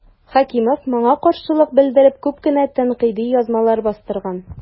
Хәкимов моңа каршылык белдереп күп кенә тәнкыйди язмалар бастырган.